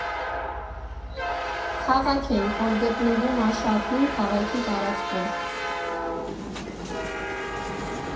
Քաղաք ենք, որը գտնվում ա շատ հին քաղաքի տարածքում։